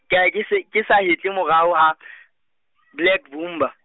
ka ya ke se, ke sa hetle morao ho , Black Bomber.